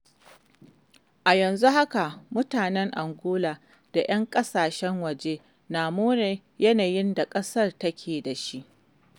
A yanzu haka, mutanen Angola da 'yan ƙasashen waje na more yanayin da ƙasar take da shi.